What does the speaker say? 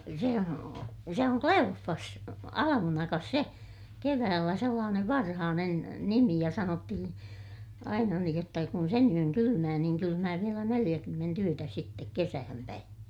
se on se on Kleoffas almanakassa se keväällä sellainen varhainen nimi ja sanottiin aina niin jotta kun sen yön kylmää niin kylmää vielä neljäkymmentä yötä sitten kesään päin